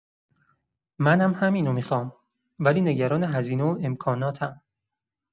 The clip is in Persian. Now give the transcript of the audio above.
منم همینو می‌خوام، ولی نگران هزینه و امکاناتم.